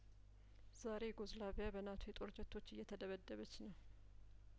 ዛሬ ዩጐዝላቪያ በናቶ የጦር ጀቶች እየተደበደበች ነው